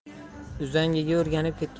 uzangiga o'rganib ketgan oyoqlari